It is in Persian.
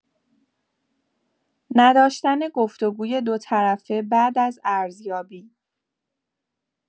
نداشتن گفت‌وگوی دوطرفه بعد از ارزیابی